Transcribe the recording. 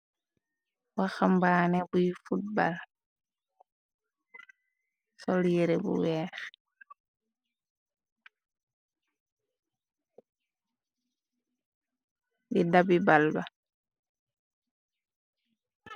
Waxambaane buy fut bal solyere bu weex di dabi balba.